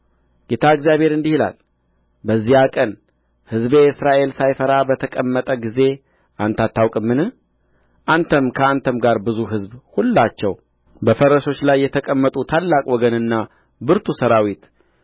ጌታ እግዚአብሔር እንዲህ ይላል በዚያ ቀን ሕዝቤ እስራኤል ሳይፈራ በተቀመጠ ጊዜ አንተ አታውቀውምን አንተም ከአንተም ጋር ብዙ ሕዝብ ሁላቸው በፈረሶች ላይ የተቀመጡ ታላቅ ወገንና ብርቱ ሠራዊት